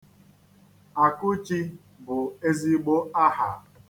Akuchi bụ ezigbo aha.